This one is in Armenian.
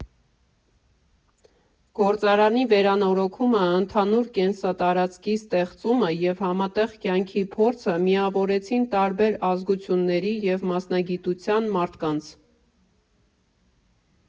Գործարանի վերանորոգումը, ընդհանուր կենսատարածքի ստեղծումը և համատեղ կյանքի փորձը միավորեցին տարբեր ազգությունների և մասնագիտության մարդկանց։